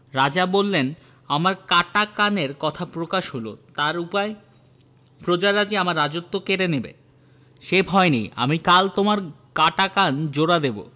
রাজা বললেন আমার কাটা কানের কথা প্রকাশ হল তার উপায় প্রজারা যে আমার রাজত্ব কেড়ে নেবে সে ভয় নেই আমি কাল তোমার কাটা কান জোড়া দেব